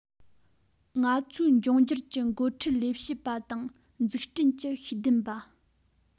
ང ཚོའི འབྱུང འགྱུར གྱི འགོ ཁྲིད ལས བྱེད པ དང འཛུགས སྐྲུན གྱི ཤེས ལྡན པ